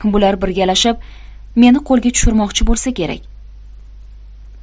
bular birgalashib meni qo'lga tushurmoqchi bo'lsa kerak